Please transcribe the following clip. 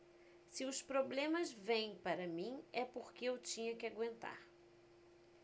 se os problemas vêm para mim é porque eu tinha que aguentar